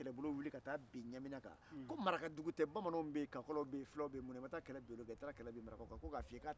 masakɛ ye fɛn bɛɛ kɛmɛkɛmɛ di cɛkɔrɔba sabalilen in ma ka a da a den kan